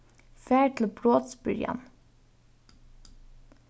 far til brotsbyrjan